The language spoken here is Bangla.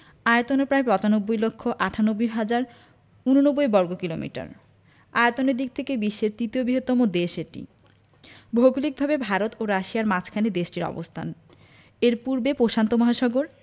আয়তন প্রায় ৯৫ লক্ষ ৯৮ হাজার ৮৯ বর্গকিলোমিটার আয়তনের দিক থেকে বিশ্বের তৃতীয় বৃহত্তম দেশ এটি ভৌগলিকভাবে ভারত ও রাশিয়ার মাঝখানে দেশটির অবস্থান এর পূর্বে প্রশান্ত মহাসাগর